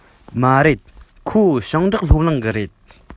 མ རེད ཁོ ཞིང འབྲོག སློབ གླིང གི རེད